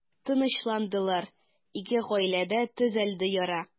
Тынычландылар, ике гаиләдә төзәлде яра.